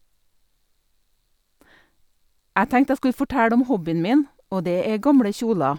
Jeg tenkte jeg skulle fortelle om hobbyen min, og det er gamle kjoler.